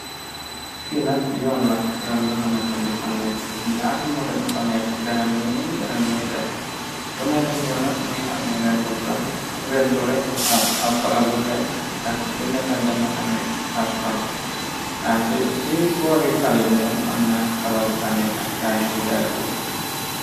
Fi nak yoon la, yoon bo xamanteni ñaari moto ño fa nekka benen bi ñaw benen bi mugii dem. Bu nèkka di ñaw nak mugii ameh kola bu red, bu nèkka di dem mugii ameh ass kolo. Ci bóri tali bi am na tabax bu fa nekka ngayi ñu ngi jaay fof.